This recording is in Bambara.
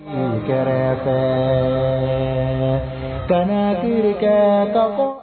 Nsekari kana jerika du